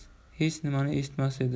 hech nimani eshitmas edi